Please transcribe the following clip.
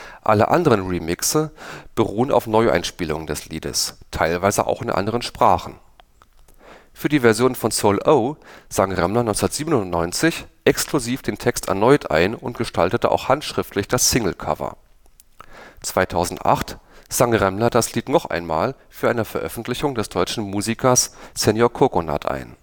Alle anderen Remixe beruhen auf Neueinspielungen des Liedes – teilweise auch in anderen Sprachen. Für die Version von Soul-O sang Remmler 1997 exklusiv den Text erneut ein und gestaltete auch handschriftlich das Single-Cover. 2008 sang Remmler das Lied noch einmal für eine Veröffentlichung des deutschen Musikers Señor Coconut ein